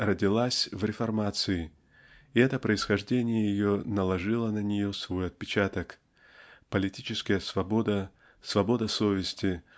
родилась в реформации (и это происхождение ее наложило на нее свой отпечаток) политическая свобода свобода совести